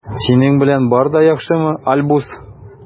Синең белән бар да яхшымы, Альбус?